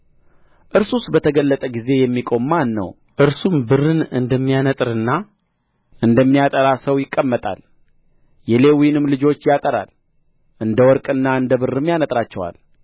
እርሱስ በተገለጠ ጊዜ የሚቆም ማን ነው እርሱም ብርን እንደሚያነጥርና እንደሚያጠራ ሰው ይቀመጣል የሌዊንም ልጆች ያጠራል እንደ ወርቅና እንደ ብርም ያነጥራቸዋል